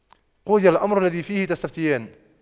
قُضِيَ الأَمرُ الَّذِي فِيهِ تَستَفِتيَانِ